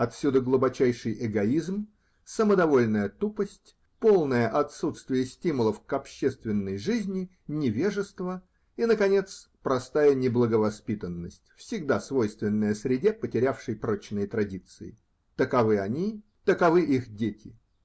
Отсюда глубочайший эгоизм, самодовольная тупость, полное отсутствие стимулов к общественной жизни, невежество и, наконец, простая неблаговоспитанность, всегда свойственная среде, потерявшей прочные традиции. Таковы они, таковы их дети.